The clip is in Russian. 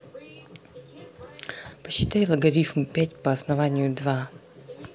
посчитай логарифм пять по основанию два